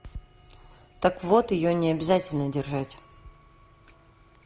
так вот ее не обязательно держать